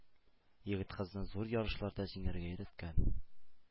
Егет-кызны зур ярышларда җиңәргә өйрәткән